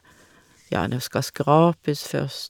Ja, det skal skrapes først.